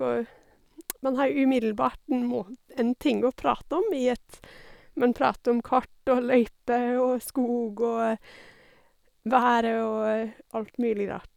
Og man har umiddelbart en må en ting å prate om i at man prater om kart og løyper og skog og været og alt mulig rart.